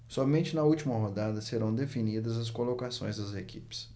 somente na última rodada serão definidas as colocações das equipes